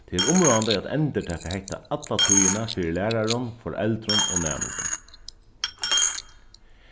tað er umráðandi at endurtaka hetta alla tíðina fyri lærarum foreldrum og næmingum